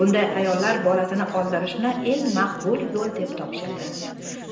bunday ayollar bolasini oldirishni eng maqbul yo'l deb topishadi